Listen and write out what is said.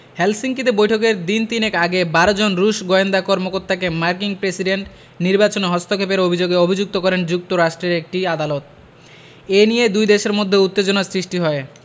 Helsinki বৈঠকের দিন তিনেক আগে ১২ জন রুশ গোয়েন্দা কর্মকর্তাকে মার্কিন প্রেসিডেন্ট নির্বাচনে হস্তক্ষেপের অভিযোগে অভিযুক্ত করেন যুক্তরাষ্ট্রের একটি আদালত এ নিয়ে দুই দেশের মধ্যে উত্তেজনা সৃষ্টি হয়